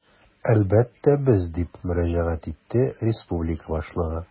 Әлбәттә, без, - дип мөрәҗәгать итте республика башлыгы.